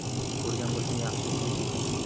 ko'rgan bo'lsang yaxshi tirik ekan